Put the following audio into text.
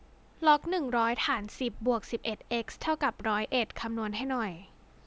ล็อกหนึ่งร้อยฐานสิบบวกสิบเอ็ดเอ็กซ์เท่ากับร้อยเอ็ดคำนวณให้หน่อย